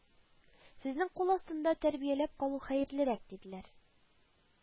Сезнең кул астында тәрбияләп калу хәерлерәк» диделәр